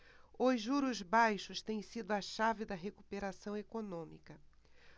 os juros baixos têm sido a chave da recuperação econômica